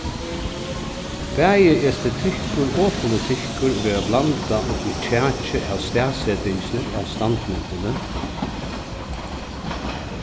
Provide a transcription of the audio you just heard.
bæði estetikkur og politikkur verða blandað upp í kjakið av staðsetingini av standmyndini